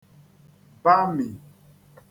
bamì